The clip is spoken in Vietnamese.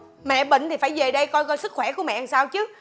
mẹ bệnh thì phải về đây coi coi sức khỏe của mẹ làm sao chứ